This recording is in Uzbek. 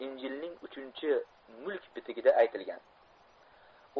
injilning uchinchi mulk bitigida aytilgan